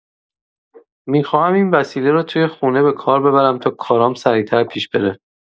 می‌خوام این وسیله رو توی خونه به کار ببرم تا کارام سریع‌تر پیش بره.